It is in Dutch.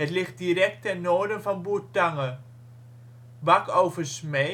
ligt direct ten noorden van Bourtange. Bakovensmee